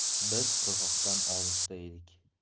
biz qirg'oqdan olisda edik